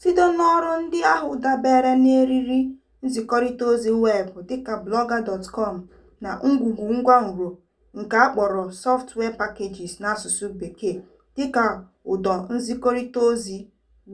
Site n'ọrụ ndị ahụ dabere n'eriri nzikọrịtaozi weebụ dịka Blogger.com na ngwugwu ngwanro nke a kpọrọ 'software packages' n'asụsụ Bekee dịka ụdọ nzikọrịtaozi